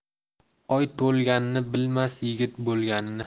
oy to'lganini bilmas yigit bo'lganini